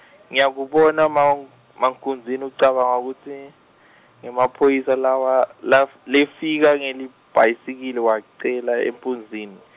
ngiyakubona mank- mankunzini ucabanga kutsi, ngemaphoyisa lawa, laf- lefika ngelibhayisikili wacela empunzini.